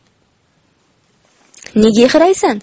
nega ixraysan